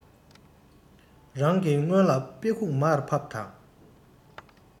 རང གི སྔོན ལ དཔེ ཁུག མར ཕབ དང